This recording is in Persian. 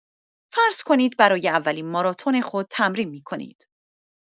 فرض کنید برای اولین ماراتن خود تمرین می‌کنید.